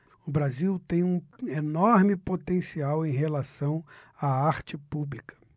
o brasil tem um enorme potencial em relação à arte pública